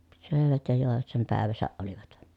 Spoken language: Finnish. söivät ja joivat sen päivänsä olivat